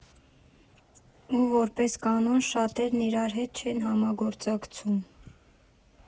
Ու որպես կանոն շատերն իրար հետ չեն համագործակցում։